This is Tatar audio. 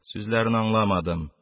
Сүзләрен аңламадым